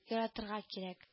Яратырга кирәк